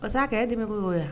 Parce que a ka' dɛmɛ' wa